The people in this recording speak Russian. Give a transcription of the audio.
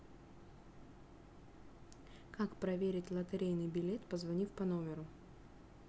как проверить лотерейный билет позвонив по номеру